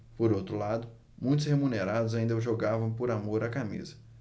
por outro lado muitos remunerados ainda jogavam por amor à camisa